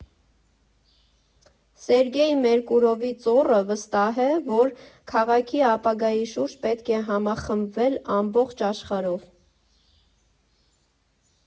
Սերգեյ Մերկուրովի ծոռը վստահ է, որ քաղաքի ապագայի շուրջ պետք է համախմբվել ամբողջ աշխարհով։